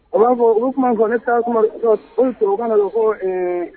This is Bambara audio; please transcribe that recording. O b'a fɔ ,u bɛ kuma min fɔ, ne taa ee